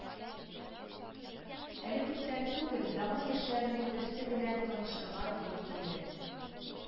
Әле күптән түгел заман яшьләренең берсе белән танышырга туры килде